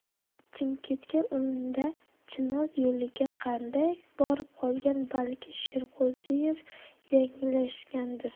chimkentga unda chinoz yo'liga qanday borib qolgan balki sherqo'ziev yanglishgandir